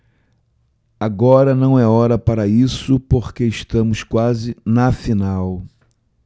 agora não é hora para isso porque estamos quase na final